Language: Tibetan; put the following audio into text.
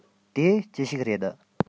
དེ ཅི ཞིག རེད